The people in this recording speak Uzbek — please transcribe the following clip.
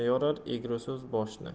yorar egri so'z boshni